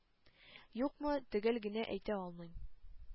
Юкмы, төгәл генә әйтә алмыйм.